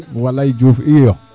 walaay Diouf iyo